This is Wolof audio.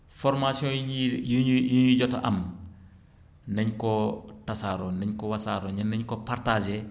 formation yi ñuy yi ñuy yi ñuy jot a am nañ koo tasaaroo nañ ko wasaaroo nañ ko partager